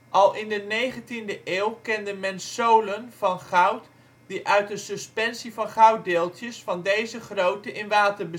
Al in de negentiende eeuw kende men solen van goud die uit een suspensie van gouddeeltjes van deze grootte in water